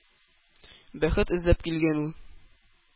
Бәхет эзләп килгән ул.